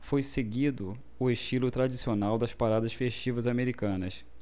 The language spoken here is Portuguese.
foi seguido o estilo tradicional das paradas festivas americanas